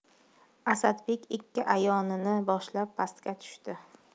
asadbek ikki a'yonini boshlab pastga tushdi